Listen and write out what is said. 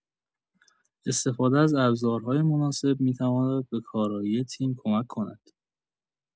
استفاده از ابزارهای مناسب می‌تواند به کارایی تیم کمک کند.